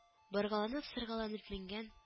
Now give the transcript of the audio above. Боргаланып-сыргаланып менгән